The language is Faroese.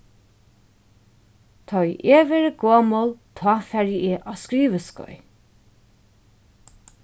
tá ið eg verði gomul tá fari eg á skriviskeið